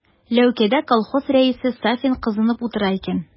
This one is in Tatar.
Ләүкәдә колхоз рәисе Сафин кызынып утыра икән.